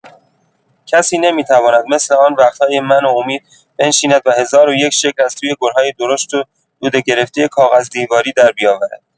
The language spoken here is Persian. کسی نمی‌تواند مثل آن وقت‌های من و امید بنشیند و هزار و یک‌شکل از توی گل‌های درشت و دوده‌گرفتۀ کاغذدیواری دربیاورد.